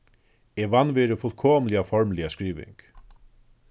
eg vanvirði fullkomiliga formliga skriving